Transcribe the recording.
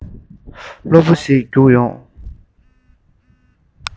སློབ བུ ཞིག བརྒྱུགས ཡོང